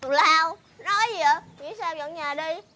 tào lao nói gì dợ nghĩ sao dọn nhà đi